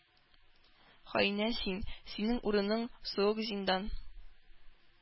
«хаинә син! синең урының — суык зиндан!»